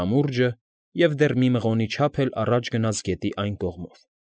Կամուրջը և դեռ մի մղոնի չափ էլ առաջ գնաց Գետի Այն Կողմով։